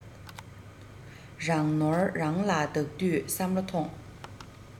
རང ནོར རང ལ བདག དུས བསམ བློ ཐོངས